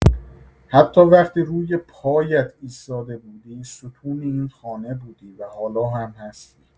حتی وقتی روی پایت ایستاده بودی، ستون این خانه بودی و حالا هم هستی.